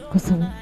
Ko sa